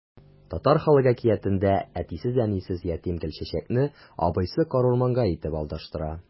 Татар халык әкиятендә әтисез-әнисез ятим Гөлчәчәкне абыйсы карурманга илтеп адаштыра.